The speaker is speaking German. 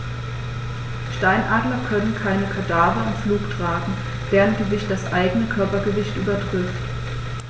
Steinadler können keine Kadaver im Flug tragen, deren Gewicht das eigene Körpergewicht übertrifft.